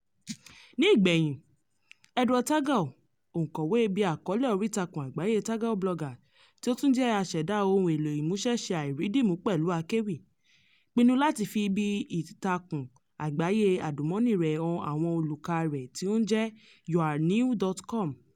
Ní ìgbẹ̀yìn, Edward Tagoe, òǹkọ̀wé ibi àkọọ́lẹ̀ oríìtakùn àgbáyé Tagoe Blogger tí ó tún jẹ́ aṣẹ̀dá ohun èlò ìmúṣẹ́ṣe àìrídìmú-pẹ̀lú-akéwì, pinnu láti fi ibi ìtakùn àgbáyé adùnmọ́ni rẹ han àwọn olùkà rẹ̀ tí ó ń jẹ́ YOURENEW.COM